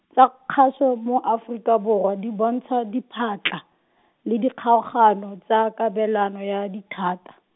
tsa kgaso mo Aforika Borwa, di bontsha diphatla, le dikgaogano tsa kabelano ya dithata.